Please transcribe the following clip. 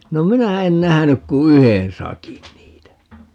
no minä en nähnyt kuin yhden sakin niitä